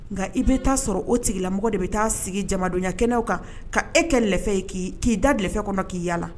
Nka i bɛ taa sɔrɔ o tigilamɔgɔ de bɛ taa sigi jamanadonya kɛnɛw kan ka e kɛlɛfɛ ye k' k'i dalɛfɛ kɔnɔ k'i yaala